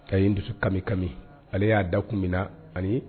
Ka ye dusu kami kami ale y'a da kun mina na ani